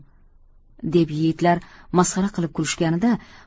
deb yigitlar masxara qilib kulishganida